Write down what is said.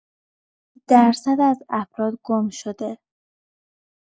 درصد از افراد گم‌شده